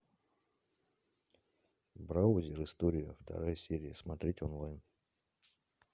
браузер историк вторая серия смотреть онлайн